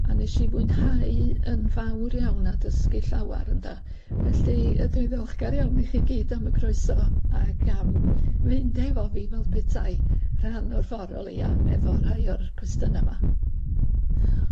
a wnes i fwynhau yn fawr iawn a dysgu llawar ynde felly ydw i'n ddiolchgar iawn i chi gyd am y croeso ac am fynd efo fi fel petai rhan o'r ffor o leia efo rhai o'r cwestiyna' 'ma.